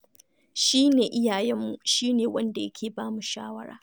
Shi ne iyayenmu, shi ne wanda yake ba mu shawara.